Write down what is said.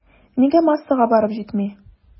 Нигә массага барып җитми?